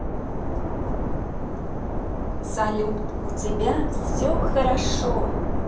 салют у тебя все хорошо